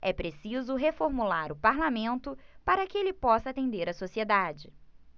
é preciso reformular o parlamento para que ele possa atender a sociedade